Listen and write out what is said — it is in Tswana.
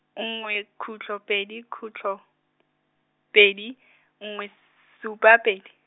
nngwe khutlo pedi khutlo, pedi, nngwe, s- supa pedi.